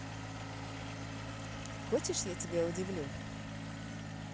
хочешь я тебя удивлю